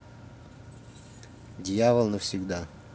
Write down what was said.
дьявол навсегда